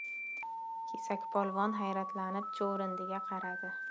kesakpolvon hayratlanib chuvrindiga qaradi